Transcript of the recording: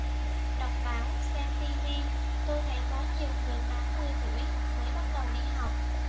đọc báo xem tv tôi thấy có nhiều người tám mươi tuổi mới bắt đầu đi học